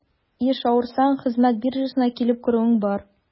Еш авырсаң, хезмәт биржасына килеп керүең бар.